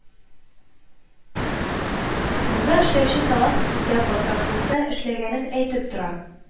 Монда эшләүче Салахов сездә батраклыкта эшләгәнен әйтеп тора